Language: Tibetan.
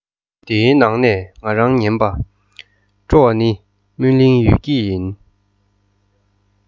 དེའི ནང ནས ང རང ཉན པ སྤྲོ བ ནི མོན གླིང གཡུལ འགྱེད ཡིན